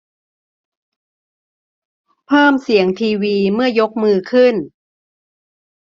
เพิ่มเสียงทีวีเมื่อยกมือขึ้น